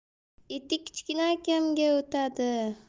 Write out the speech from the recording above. etik kichkina akamga o'tadi